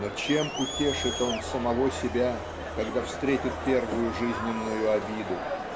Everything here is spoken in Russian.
Но чем утешит он самого себя, когда встретит первую жизненную обиду?